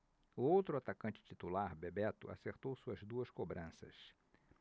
o outro atacante titular bebeto acertou suas duas cobranças